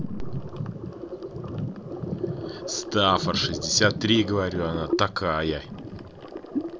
staffорд шестьдесят три говорю она такая